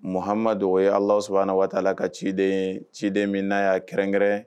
Muhamadu dɔgɔ ye ala sɔrɔ waa la ka ciden ciden min n' y'a kɛrɛnkɛrɛn